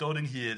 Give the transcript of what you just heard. dod ynghyd.